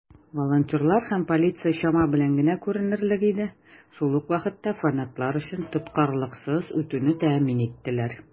Волонтерлар һәм полиция чама белән генә күренерлек иде, шул ук вакытта фанатлар өчен тоткарлыксыз үтүне тәэмин иттеләр.